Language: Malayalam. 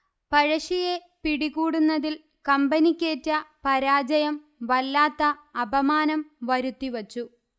പഴശ്ശിയെ പിടികൂടുന്നതിൽ കമ്പനിക്കേറ്റ പരാജയം വല്ലാത്ത അപമാനം വരുത്തിവെച്ചു